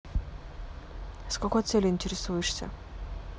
с какой целью интересуешься